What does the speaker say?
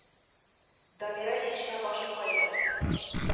Дамира чишмә башы кайда